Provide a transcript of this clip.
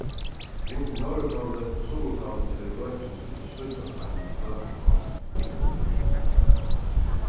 kring norðurpólin og suðurpólin eru øki sum ikki síggjast á einum fløtum korti